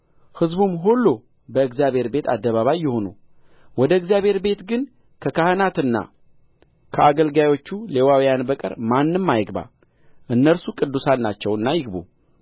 ሕዝቡም ሁሉ በእግዚአብሔር ቤት አደባባይ ይሁኑ ወደ እግዚአብሔር ቤት ግን ከካህናትና ከአገልጋዮቹ ሌዋውያን በቀር ማንም አይግባ እነርሱ ቅዱሳን ናቸውና ይግቡ